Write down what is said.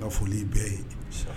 N ka foli bɛɛ ye